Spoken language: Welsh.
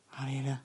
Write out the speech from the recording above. Pa eiria?